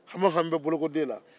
hami o hami bɛ bolokoden na